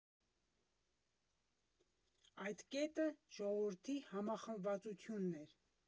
Այդ կետը ժողովրդի համախմբվածությունն էր։